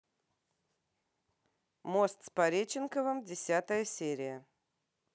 мост с пореченковым десятая серия